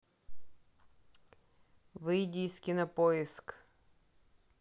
выйди из кинопоиск